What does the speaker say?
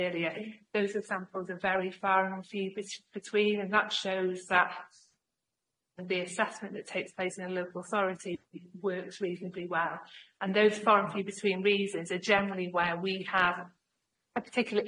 earlier those examples are very far and few bit sh- between and that shows that the assessment that takes place in a local authority works reasonably well and those far and few between reasons are generally where we have a particular